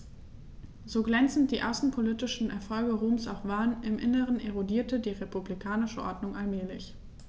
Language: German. So glänzend die außenpolitischen Erfolge Roms auch waren: Im Inneren erodierte die republikanische Ordnung allmählich.